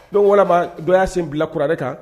Don walama dɔ y'a sen bila kuranɛ kan